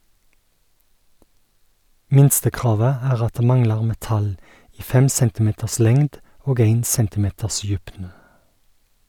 Minstekravet er at det manglar metall i fem centimeters lengd og ein centimeters djupn.